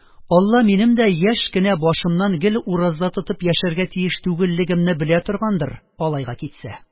Алла минем дә яшь кенә башымнан гел ураза тотып яшәргә тиеш түгеллегемне белә торгандыр, алайга китсә